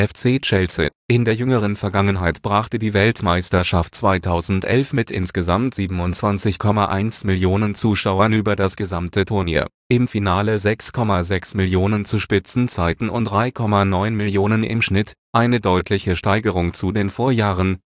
FC Chelsea. In der jüngeren Vergangenheit brachte die Weltmeisterschaft 2011 mit insgesamt 27,1 Millionen Zuschauern über das gesamte Turnier (im Finale 6,6 Millionen zu Spitzenzeiten und 3,9 Millionen im Schnitt) eine deutliche Steigerung zu den Vorjahren